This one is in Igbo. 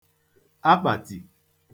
akpàtị̀